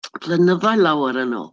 Blynyddoedd lawer yn ôl.